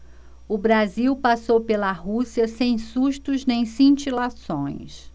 o brasil passou pela rússia sem sustos nem cintilações